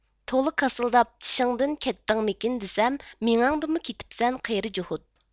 تولا كاسىلداپ چىشىڭدىن كەتتىڭمىكىن دېسەم مېڭەڭدىنمۇ كېتىپسەن قېرى جوھوت